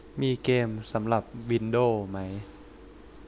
มีเกมสำหรับวินโดวส์ไหม